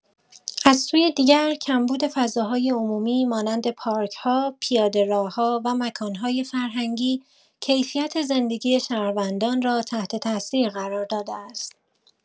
از سوی دیگر، کمبود فضاهای عمومی مانند پارک‌ها، پیاده‌راه‌ها و مکان‌های فرهنگی، کیفیت زندگی شهروندان را تحت‌تأثیر قرار داده است.